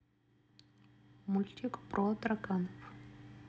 мультик про тараканов